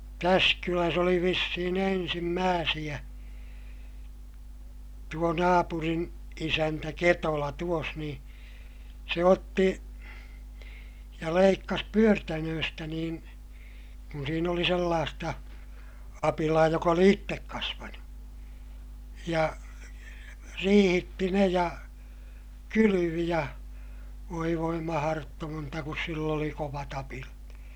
tässä kylässä oli vissiin ensimmäisiä tuo naapurin isäntä Ketola tuossa niin se otti ja leikkasi pyörtänöistä niin kun siinä oli sellaista apilaa joka oli itse kasvanut ja riihitti ne ja kylvi ja voi voi mahdotonta kun sillä oli kovat apilat